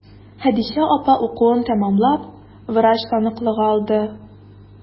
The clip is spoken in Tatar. Хәдичә апа укуын тәмамлап, врач таныклыгы алды.